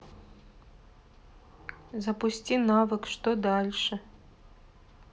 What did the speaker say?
запусти навык что дальше